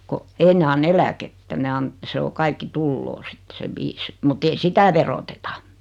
kun ei ne anna eläkettä ne - se on kaikki tulee sitten se viisi mutta ei sitä veroteta